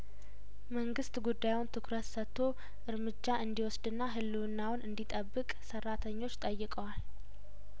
መንግስት ጉዳዩን ትኩረት ሰጥቶ እርምጃ እንዲ ወስድና ህልውናውን እንዲ ጠብቅ ሰራተኞች ጠይቀዋል